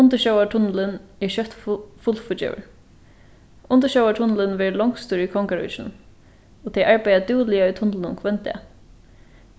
undirsjóvartunnilin er skjótt fullfíggjaður undirsjóvartunnilin verður longstur í kongaríkinum og tey arbeiða dúgliga í tunlinum hvønn dag